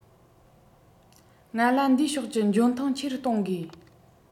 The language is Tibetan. ང ལ འདིའི ཕྱོགས ཀྱི འཇོན ཐང ཆེ རུ གཏོང དགོས